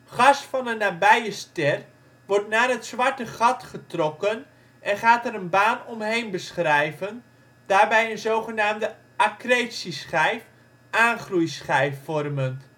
Gas van een nabije ster wordt naar het zwarte gat getrokken en gaat er een baan omheen beschrijven, daarbij een zogenaamde accretieschijf (aangroeischijf) vormend